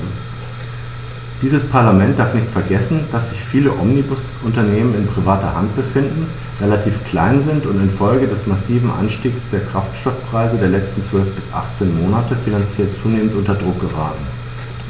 Dieses Parlament darf nicht vergessen, dass sich viele Omnibusunternehmen in privater Hand befinden, relativ klein sind und in Folge des massiven Anstiegs der Kraftstoffpreise der letzten 12 bis 18 Monate finanziell zunehmend unter Druck geraten.